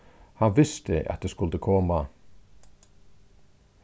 hann visti at eg skuldi koma